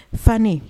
Fan